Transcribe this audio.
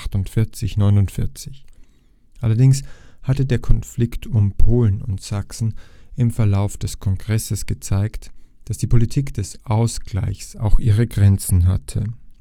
/ 49. Allerdings hatte der Konflikt um Polen und Sachsen im Verlauf des Kongresses gezeigt, dass die Politik des Ausgleichs auch ihre Grenzen hatte